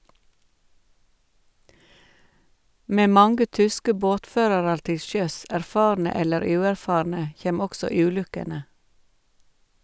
Med mange tyske båtførarar til sjøs, erfarne eller uerfarne, kjem også ulukkene.